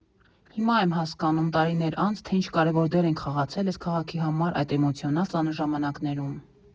Հիմա եմ հասկանում՝ տարիներ անց, թե ինչ կարևոր դեր ենք խաղացել էս քաղաքի համար այդ էմոցիոնալ ծանր ժամանակներում։